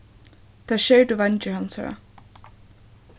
tær skerdu veingir hansara